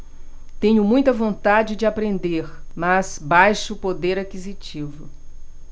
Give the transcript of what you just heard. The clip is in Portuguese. tenho muita vontade de aprender mas baixo poder aquisitivo